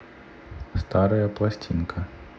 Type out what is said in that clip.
старая пластинка